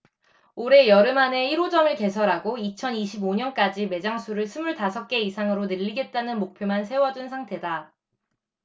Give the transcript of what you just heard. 올해 여름 안에 일 호점을 개설하고 이천 이십 오 년까지 매장 수를 스물 다섯 개 이상으로 늘리겠다는 목표만 세워둔 상태다